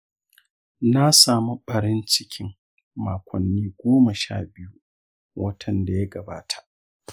na samu ɓarin cikin makonni goma sha biyu watan da ya gabata.